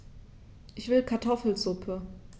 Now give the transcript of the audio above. Ich will Kartoffelsuppe.